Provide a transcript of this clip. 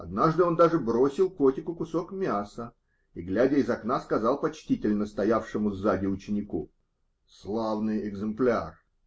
Однажды он даже бросил котику кусок мяса и, глядя из окна, сказал почтительно стоявшему сзади ученику: -- Славный экземпляр.